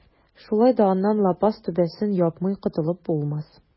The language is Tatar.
Шулай да аннан лапас түбәсен япмый котылып булмас.